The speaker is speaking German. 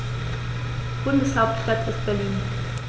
Bundeshauptstadt ist Berlin.